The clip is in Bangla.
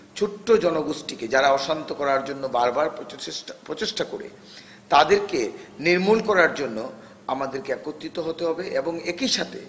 ছোট্ট জনগোষ্ঠীকে যারা অশান্ত করার জন্য বারবার প্রচেষ্টা করে তাদেরকে নির্মূল করার জন্য কে একত্রিত হতে হবে এবং একই সাথে